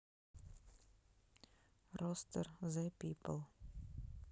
ростер зэ пипл